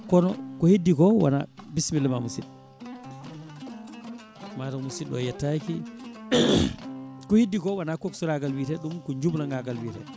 kono ko heddi ko wona bisimilla ma musidɗo mataw musidɗo o yettaki ko heddi ko wona coxeur agal wiite ɗum ko jumloŋagal wiyete